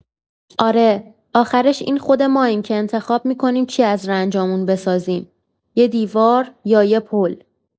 آره، آخرش این خود ماییم که انتخاب می‌کنیم چی از رنجامون بسازیم، یه دیوار یا یه پل.